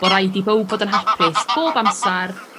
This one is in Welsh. Bo' raid i bowb fod yn hapus bob amsar